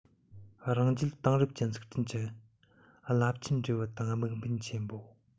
རང རྒྱལ དེང རབས ཅན འཛུགས སྐྲུན གྱི རླབས ཆེན འབྲས བུ དང དམིགས འབེན ཆེན པོ